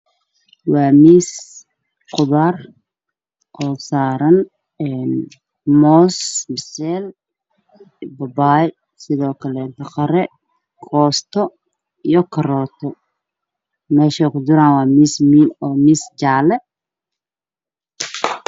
Waa miis qudaar oo saaran: moos biseel, babaay ,sidoo kaleynto qare, koosto iyo karooto. meesha ay ku jiraan waa miis, meel miis jale eh.